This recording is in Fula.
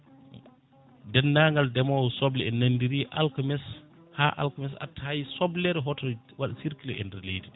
ndendagal demowo soble en nandiri alakamisa ha alkamisa arta hay soblere hoto waad circulé e nder leydi